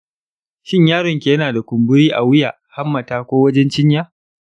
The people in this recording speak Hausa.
shin yaron ki yana da kumburi a wuya, hammata, ko wajen cinya?